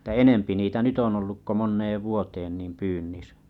että enempi niitä nyt on ollut kuin moneen vuoteen niin pyynnissä